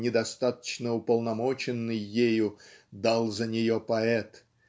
недостаточно уполномоченный ею дал за нее поэт